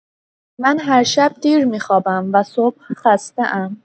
من هر شب دیر می‌خوابم و صبح خسته‌ام.